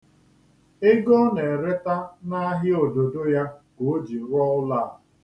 Ego o na-ereta n'ahịa òdòdo ya ka o ji rụọ ụlọ a.